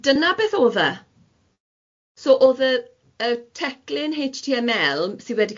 Dyna beth o'dd e. So oedd y y teclyn haets ti em el sy wedi